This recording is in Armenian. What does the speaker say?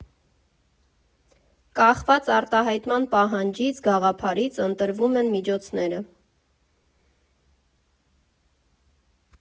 Կախված արտահայտման պահանջից, գաղափարից, ընտրվում են միջոցները։